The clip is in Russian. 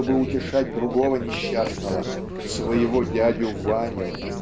чтобы утешать другого несчастного своего дядю Ваню.